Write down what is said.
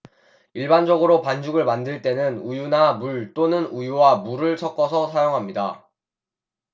일반적으로 반죽을 만들 때는 우유나 물 또는 우유와 물을 섞어서 사용합니다